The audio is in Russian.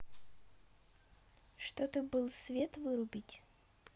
что ты был свет вырубить